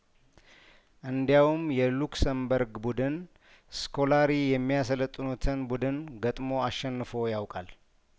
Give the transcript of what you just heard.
እንዲያውም የሉክሰምበርግ ቡድን ስኮላሪ የሚያሰለጥኑትን ቡድን ገጥሞ አሸንፎ ያውቃል